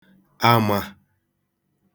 àmà